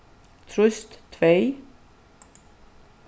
trýst tvey